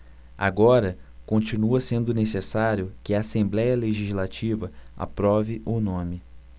agora continua sendo necessário que a assembléia legislativa aprove o nome